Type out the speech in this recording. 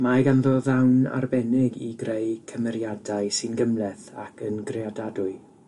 Mae ganddo ddawn arbennig i greu cymeriadau sy'n gymhleth ac yn greadadwy.